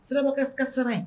Siraba ka ka sɔrɔ yen